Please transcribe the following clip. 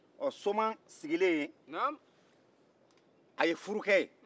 ɔ soma sigilen yen a ye furu kɛ yen